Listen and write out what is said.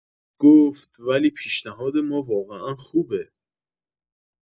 گفت: «ولی پیشنهاد ما واقعا خوبه.»